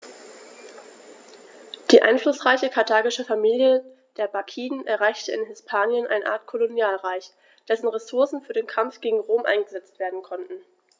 Die einflussreiche karthagische Familie der Barkiden errichtete in Hispanien eine Art Kolonialreich, dessen Ressourcen für den Kampf gegen Rom eingesetzt werden konnten.